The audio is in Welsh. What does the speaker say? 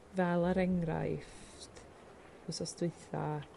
fel er enghraiffft wsos dwutha